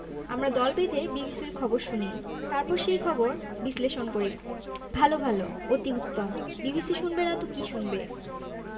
আমরা দল বেঁধে বিবিসির খবর শুনি তারপর সেই খবর বিশ্লেষণ করি ভাল ভাল অতি উত্তম বিবিসি শুনবেনা তো কি শুনবে